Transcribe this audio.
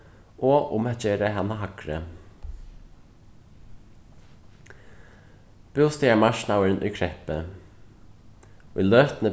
og um at gera hana hægri bústaðarmarknaðurin í kreppu í løtuni